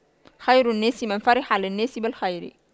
خير الناس من فرح للناس بالخير